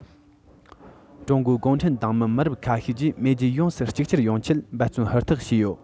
ཀྲུང གོའི གུང ཁྲན ཏང མི མི རབས ཁ ཤས ཀྱིས མེས རྒྱལ ཡོངས སུ གཅིག གྱུར ཡོང ཆེད འབད བརྩོན ཧུར ཐག བྱས ཡོད